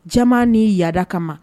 Jama ni yaada kama ma